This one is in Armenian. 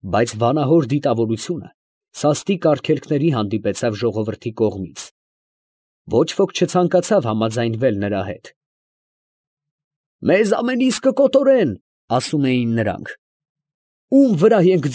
Բայց վանահոր դիտավորությունը սաստիկ արգելքների հանդիպեցավ ժողովրդի կողմից. ոչ ոք չցանկացավ համաձայնվել նրա հետ։ «Մեզ ամենիս կկոտորեն, ֊ ասում էին նրանք, ֊ ո՞ւմ վրա ենք։